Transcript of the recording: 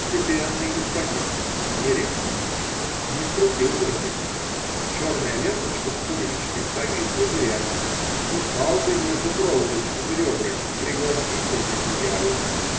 Степенный господин, а неряха: не скрутил зонтика, черная ленточка с пуговичкой повисла зря, и фалды между проволочными ребрами пригласительно зияют.